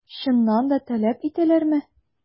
Чыннан да таләп итәләрме?